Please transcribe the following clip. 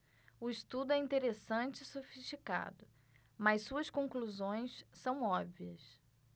o estudo é interessante e sofisticado mas suas conclusões são óbvias